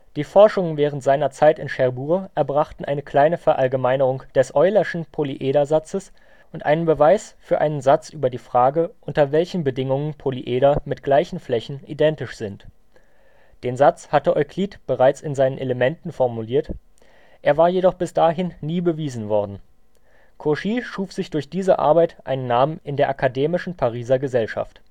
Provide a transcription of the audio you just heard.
Die Forschungen während seiner Zeit in Cherbourg erbrachten eine kleine Verallgemeinerung des eulerschen Polyedersatzes und einen Beweis für einen Satz über die Frage, unter welchen Bedingungen Polyeder mit gleichen Flächen identisch sind. Den Satz hatte Euklid bereits in seinen Elementen formuliert, er war jedoch bis dahin nie bewiesen worden. Cauchy schuf sich durch diese Arbeit einen Namen in der akademischen Pariser Gesellschaft